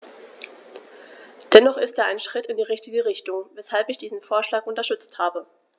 Dennoch ist er ein Schritt in die richtige Richtung, weshalb ich diesen Vorschlag unterstützt habe.